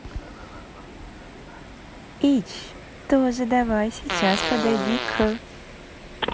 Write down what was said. ich тоже давай сейчас подойди к